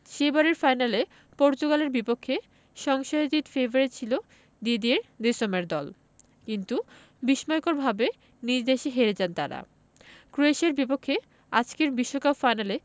সেবারের ফাইনালে পর্তুগালের বিপক্ষে সংশয়াতীত ফেভারিট ছিল দিদিয়ের দেশমের দল কিন্তু বিস্ময়করভাবে নিজ দেশে হেরে যায় তারা ক্রোয়েশিয়ার বিপক্ষে আজকের বিশ্বকাপ ফাইনালে